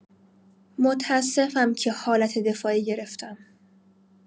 متاسفم که حالت دفاعی گرفتم.